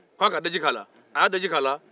a ko a k'a daji k' a la a y'a daji k'a la